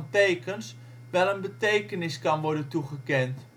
tekens wel een betekenis kan worden toegekend